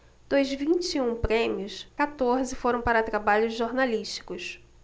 dos vinte e um prêmios quatorze foram para trabalhos jornalísticos